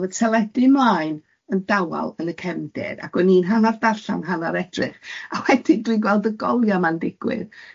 Oedd y teledu mlaen, yn dawel yn y cefndir, ac o'n i'n hannar darllan hannar edrych, a wedyn dwi'n gweld y goliau yma'n digwydd.